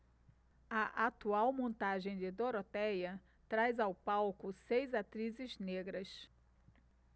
a atual montagem de dorotéia traz ao palco seis atrizes negras